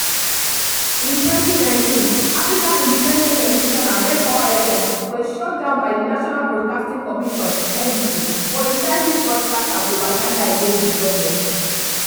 In 2019, African Independent Television and RayPower FM were shut down by the National Broadcasting Commission (NBC) for incisive broadcast and propaganda against the government.